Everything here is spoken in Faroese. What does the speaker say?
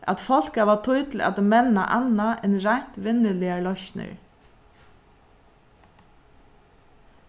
at fólk hava tíð til at menna annað enn reint vinnuligar loysnir